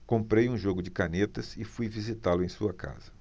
comprei um jogo de canetas e fui visitá-lo em sua casa